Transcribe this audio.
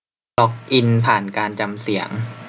ล็อกอินผ่านการจำเสียง